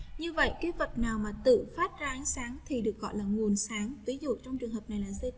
như vậy cứ vật nào mà tự phát ra thì được gọi là nguồn sáng trong trường hợp này là gì